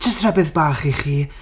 Jyst rhybydd bach i chi.